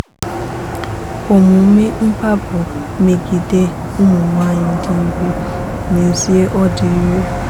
Omume mkpagbu megide ụmụ nwaanyị dị ire, n'ezie ọ dị ire.